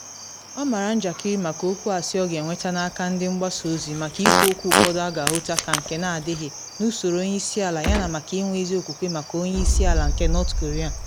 Ọ mara njakịrị maka okwu asị ọ ga-enweta n’aka ndị mgbasa ozi maka ikwu okwu ụfọdụ a ga-ahụta ka nke na adịghị “n’usoro onye isi ala” yana maka ịnwe ezi okwukwe maka onye isi ala nke North Korean.